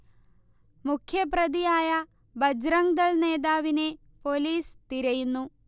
മുഖ്യപ്രതിയായ ബജ്റങ്ദൾ നേതാവിനെ പോലീസ് തിരയുന്നു